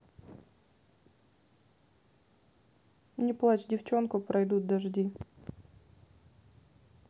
не плачь девченка проидут дожди